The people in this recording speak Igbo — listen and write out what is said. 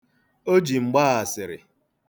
O ji m gbaa asịrị.